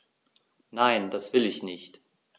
Nein, das will ich nicht.